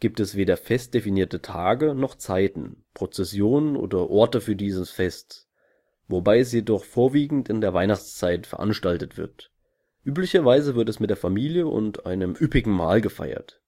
gibt es weder fest definierte Tage noch Zeiten, Prozessionen oder Orte für dieses Fest, wobei es jedoch vorwiegend in der Weihnachtszeit veranstaltet wird. Üblicherweise wird es mit der Familie und einem üppigen Mahl gefeiert